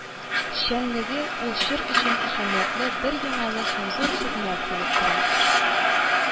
Чәнлеге ул чор өчен әһәмиятле бер яңалык һәм зур хезмәт булып тора